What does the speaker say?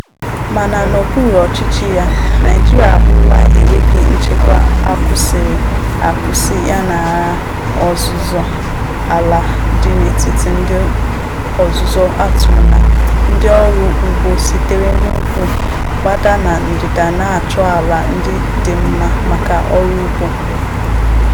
Mana, n'okpuru ọchịchị ya, Naịjirịa ahụla enweghị nchekwa akwụsịghị akwụsị ya na agha ọzụzọ ala dị n'etiti ndị ọzụzụ atụrụ na ndị ọrụ ugbo sitere n'ugwu gbadaa na ndịda na-achọ ala ndị dị mma maka ọrụ ugbo.